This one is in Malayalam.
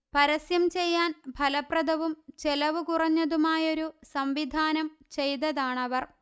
പരസ്യം ചെയ്യാൻഫലപ്രദവും ചെലവ് കുറഞ്ഞതുമായൊരു സംവിധാനം ചെയ്തതാണവർ